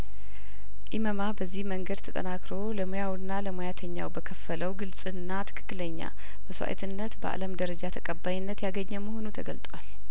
ኢመማ በዚህ መንገድ ተጠናክሮ ለሙያውና ለሙያተኛው በከፈለው ግልጽና ትክክለኛ መስእዋትነት በአለም ደረጃ ተቀባይነት ያገኘ መሆኑ ተገልጧል